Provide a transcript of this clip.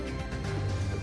San yo